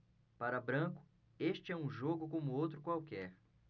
para branco este é um jogo como outro qualquer